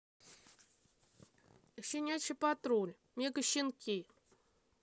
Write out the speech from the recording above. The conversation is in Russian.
щенячий патруль мегащенки